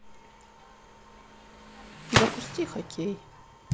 запусти хоккей